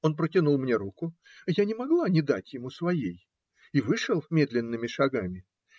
Он протянул мне руку (я не могла не дать ему своей) и вышел медленными шагами.